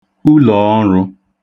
ulọọṙụ